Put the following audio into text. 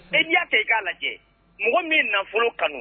E n'i y'a ta i k'a lajɛ mɔgɔ min be nafolo kanu